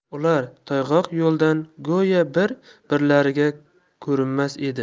ular toyg'oq yo'ldan go'yo bir birlariga ko'rinmas edi